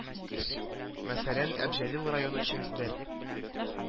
Мәсәлән, әбҗәлил районы өчен бер